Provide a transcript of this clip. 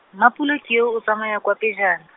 Mapula ke yo o tsamaya kwa pejana.